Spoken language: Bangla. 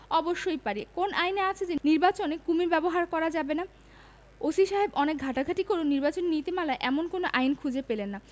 অবশ্যই পারি কোন আইনে আছে যে নির্বাচনে কুমীর ব্যবহার করা যাবে না ওসি সাহেব অনেক ঘাঁটাঘাটি করেও নির্বাচনী নীতিমালায় এমন কোন আইন খুঁজে পেলেন না